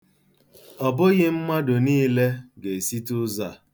Ọ bụghị mmadụ niile ga-esite ụzọ a.